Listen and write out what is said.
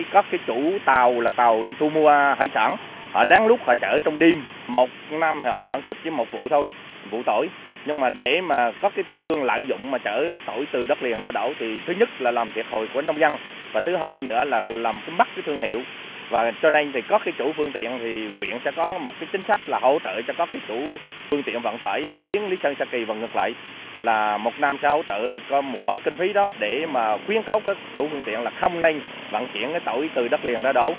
các cái chủ tàu là tàu đi thu mua hải sản họ lén lút họ chở trong đêm một năm họ sản xuất như một vụ thôi vụ tỏi nhưng mà để mà có cái tư thương lợi dụng mà chở tỏi từ đất liền ra đảo thì thứ nhất là làm thiệt thòi của nông dân và thứ hai nữa là làm mất thương hiệu và cho nên thì có khi chủ phương tiện thì huyện sẽ có một cách chính sách là hỗ trợ cho các chủ phương tiện vận tải mà tuyến lý sơn sa kỳ và ngược lại là một năm sau tự có một khoản kinh phí đó để mà khuyến cáo các chủ phương tiện là không nên vận chuyển tỏi từ đất liền ra đảo